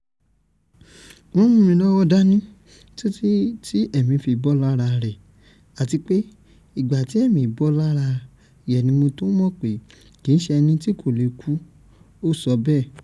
"Mó mú ní ọ̀wọ́ dání títí tí ẹ̀mí fi bọ́ lára rẹ̀ àtipé ìgbà tí ẹ̀mí tó bọ́ lára rẹ̀ ni mó tó mọ̀ pé kìíṣe ẹní tí kó lé kú,” ó sọ bẹ́ẹ̀.